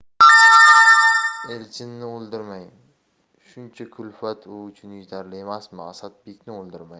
elchinni o'ldirmang shuncha kulfat u uchun yetarli emasmi asadbekni o'ldirmang